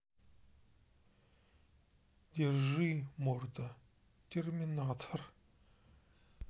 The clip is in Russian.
держи морда терминатор